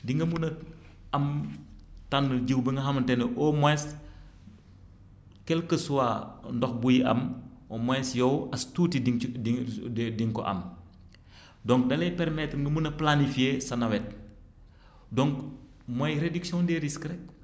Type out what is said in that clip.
di nga mën a am tànn jiwu ba nga xamante ni au moins quelque soit ndox buy am au moins yow as tuuti di nga ci di nga di nga ko am donc da lay permettre nga mën a planifié sa nawet donc mooy réduction des risques rekk